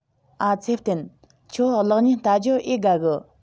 ཨ ཚེ བརྟན ཁྱོད གློག བརྙན བལྟ རྒྱུའོ ཨེ དགའ གི